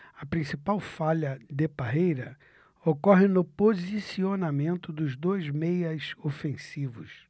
a principal falha de parreira ocorre no posicionamento dos dois meias ofensivos